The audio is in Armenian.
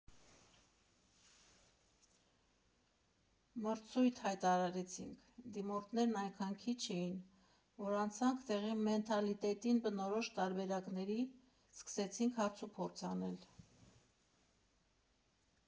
Մրցույթ հայտարարեցինք, դիմորդներն այնքան քիչ էին, որ անցանք տեղի մենթալիտետին բնորոշ տարբերակների՝ սկսեցինք հարց ու փորձ անել։